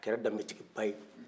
a kɛra dambe tigiba ye